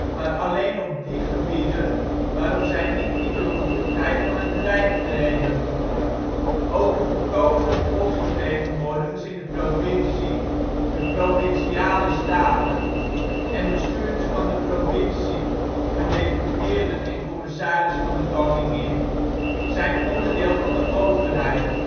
maar alleen op die gebieden waarop zij niet in de bevoegdheid van het Rijk treden. Ook de gekozen volksvertegenwoordigers in de provincie (de Provinciale Staten) en bestuurders van de provincie (Gedeputeerden en Commissaris van de Koningin) zijn onderdeel van de overheid